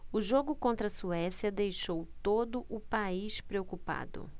o jogo contra a suécia deixou todo o país preocupado